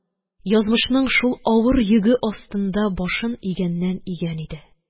Язмышның шул авыр йөге астында башын игәннә-игән иде